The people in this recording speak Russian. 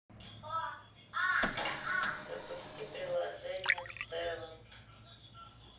запусти приложение с севен